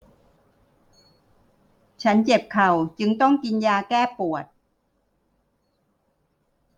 ฉันเจ็บเข่าจึงต้องกินยาแก้ปวด